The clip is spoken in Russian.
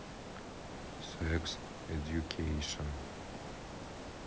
секс эдьюкейшен